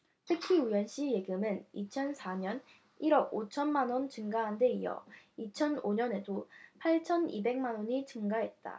특히 우현씨 예금은 이천 사 년에 일 억 오천 만원 증가한데 이어 이천 오 년에도 팔천 이백 만원이 증가했다